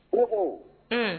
, un